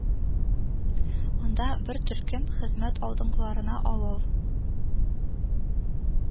Анда бер төркем хезмәт алдынгыларына авыл